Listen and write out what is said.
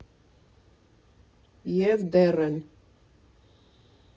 ԵՒ դեռ են։